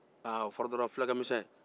aa o fɔra dɔrɔn fulakɛ misɛn